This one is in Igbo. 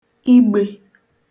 igbē